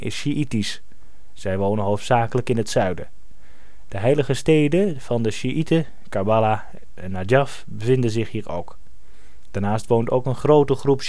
sjiitisch. Zij wonen hoofdzakelijk in het zuiden. De heilige steden van de sjiieten, Karbala en Najaf bevinden zich ook hier. Daarnaast woont ook een grote groep